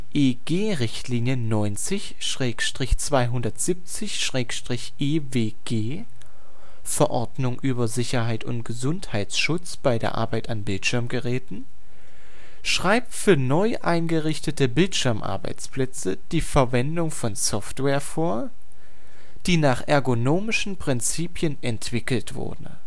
Die EG-Richtlinie 90/270/EWG (Verordnung über Sicherheit und Gesundheitsschutz bei der Arbeit an Bildschirmgeräten) schreibt für neu eingerichtete Bildschirmarbeitsplätze die Verwendung von Software vor, die nach ergonomischen Prinzipien entwickelt wurde